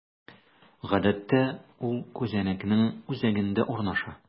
Гадәттә, ул күзәнәкнең үзәгендә урнаша.